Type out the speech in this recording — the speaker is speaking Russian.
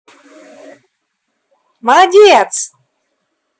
молодец